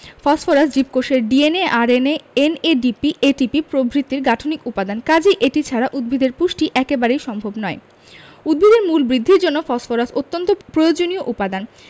phosphorus জীবকোষের D N A R N A N A D P ATP প্রভৃতির গাঠনিক উপাদান কাজেই এটি ছাড়া উদ্ভিদের পুষ্টি একেবারেই সম্ভব নয় উদ্ভিদের মূল বৃদ্ধির জন্য ফসফরাস অত্যন্ত প্রয়োজনীয় উপাদান